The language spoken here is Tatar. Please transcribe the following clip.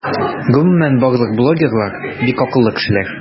Гомумән барлык блогерлар - бик акыллы кешеләр.